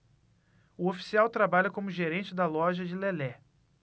o oficial trabalha como gerente da loja de lelé